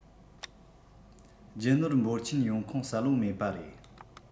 རྒྱུ ནོར འབོར ཆེན ཡོང ཁུངས གསལ པོ མེད པ རེད